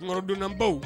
Kɔnɔdnabaw